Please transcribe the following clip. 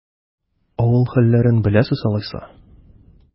Авыл хәлләрен беләсез алайса?